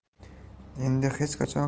endi hech qachon